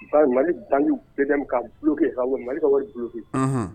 Mali banque BDM ka bloquer ka Mali ka wari bloquer . Unhun.